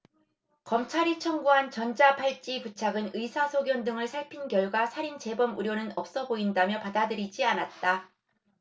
검찰이 청구한 전자발찌 부착은 의사 소견 등을 살핀 결과 살인 재범 우려는 없어 보인다며 받아들이지 않았다